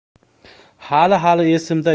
hali hali esimda